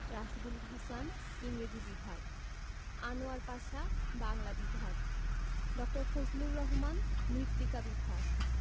রাশীদুল হাসান ইংরেজি বিভাগ আনোয়ার পাশা বাংলা বিভাগ ড. ফজলুর রহমান মৃত্তিকা বিভাগ